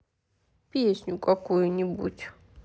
песню какую нибудь